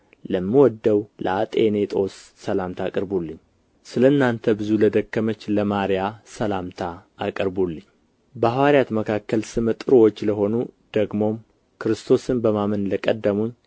ለምወደው ለአጤኔጦን ሰላምታ አቅርቡልኝ ስለ እናንተ ብዙ ለደከመች ለማርያ ሰላምታ አቅርቡልኝ በሐዋርያት መካከል ስመ ጥሩዎች ለሆኑ ደግሞም ክርስቶስን በማመን ለቀደሙኝ